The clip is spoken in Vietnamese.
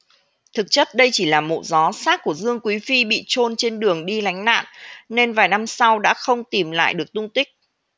thực chất đây chỉ là mộ gió xác của dương quý phi bị chôn vội trên đường đi lánh nạn nên vài năm sau đã không tìm lại được tung tích